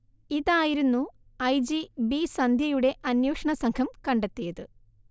ഇതായിരുന്നു I G B സന്ധ്യയുടെ അന്വേഷണസംഘം കണ്ടത്തിയത്